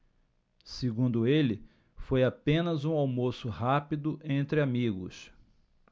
segundo ele foi apenas um almoço rápido entre amigos